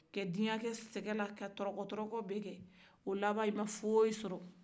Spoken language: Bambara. ka diɲɛ kɛ sɛgɛn na ka tɔrɔkɔ-tɔrɔkɔ bɛɛ kɛ o laban e ma foyi sɔrɔ